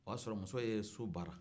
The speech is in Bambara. o y'a sɔrɔ muso ye so baara